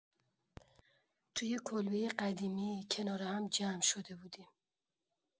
تو یه کلبه قدیمی کنار هم جمع شده بودیم.